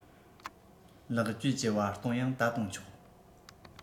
ལེགས བཅོས ཀྱི བར སྟོང ཡང ད དུང ཆོག